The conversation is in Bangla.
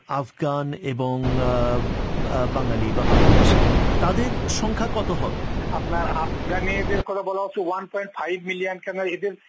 আফগান এবং বাংলাদেশি তাদের সংখ্যা কত হবে আপনার আফগানিদের কথা বলা হচ্ছে ১.৫ মিলিয়ন কেননা এদের